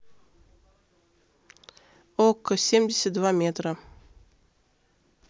окко семьдесят два метра